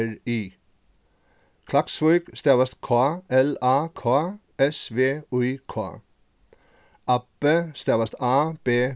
r i klaksvík stavast k l a k s v í k abbi stavast a b